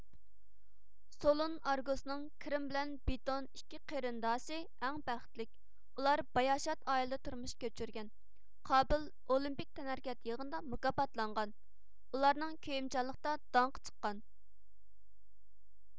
سولۇن ئارگوسنىڭ كىرىم بىلەن بتون ئىككى قېرىنداشى ئەڭ بەختلىك ئۇلار باياشات ئائىلىدە تۇرمۇش كۆچۈرگەن قابىل ئولىمپىك تەنھەرىكەت يىغىنىدا مۇكاپاتلانغان ئۇلارنىڭ كۆيۈمچانلىقتا داڭقى چىققان